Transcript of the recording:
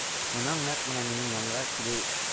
Моның нәкъ менә минем янга килү